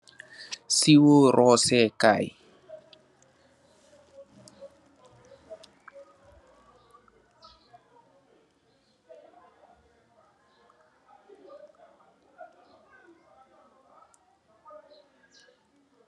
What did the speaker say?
Swooh roseh kai .